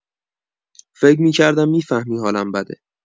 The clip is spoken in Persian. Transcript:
فکر می‌کردم می‌فهمی حالم بده